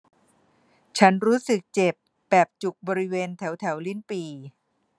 ฉันรู้สึกเจ็บแบบจุกบริเวณแถวแถวลิ้นปี่